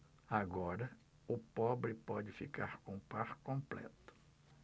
agora o pobre pode ficar com o par completo